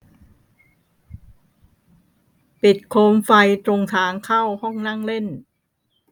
ปิดโคมไฟตรงทางเข้าห้องนั่งเล่น